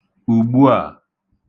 ùgbuà